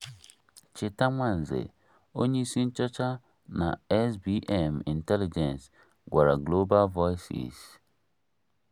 Cheta Nwanze, Onyeisi Nchọcha na SBM Intelligence gwara Global Voices: